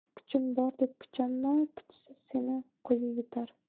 kuchim bor deb kuchanma kuchsiz seni qui etar